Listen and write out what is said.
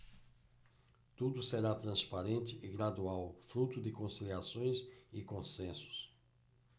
tudo será transparente e gradual fruto de conciliações e consensos